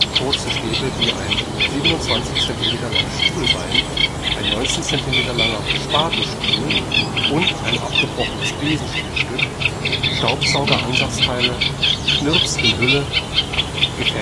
Kurze Stäbe wie ein 27 cm langes Stuhlbein, ein 19 cm langer Spatenstiel und ein abgebrochenes Besenstielstück, Staubsaugeransatzteile, Knirps in Hülle, Gefäße